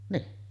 niin